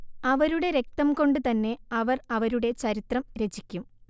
അവരുടെ രക്തം കൊണ്ട് തന്നെ അവർ അവരുടെ ചരിത്രം രചിക്കും